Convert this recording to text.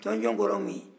tɔnjɔn kɔrɔ ye mun ye